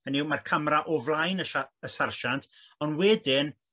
hynny yw ma'r camra o flaen y sar- y sarjant ond wedyn